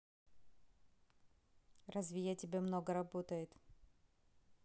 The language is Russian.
разве я тебя много работает